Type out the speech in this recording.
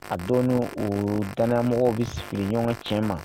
A dɔw n'u uu danayamɔgɔw bi s fili ɲɔgɔn ŋa tiɲɛ ma